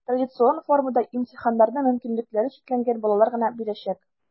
Традицион формада имтиханнарны мөмкинлекләре чикләнгән балалар гына бирәчәк.